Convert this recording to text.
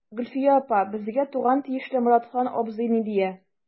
Гөлфия апа, безгә туган тиешле Моратхан абзый ни дия.